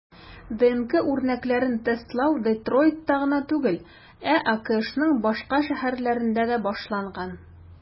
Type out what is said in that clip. ДНК үрнәкләрен тестлау Детройтта гына түгел, ә АКШның башка шәһәрләрендә дә башланган.